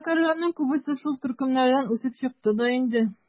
Эшмәкәрләрнең күбесе шул төркемнәрдән үсеп чыкты да инде.